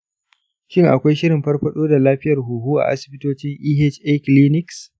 shin akwai shirin farfaɗo da lafiyar huhu a asibitocin eha clinics?